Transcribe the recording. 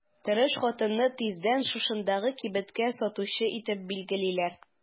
Тырыш хатынны тиздән шушындагы кибеткә сатучы итеп билгелиләр.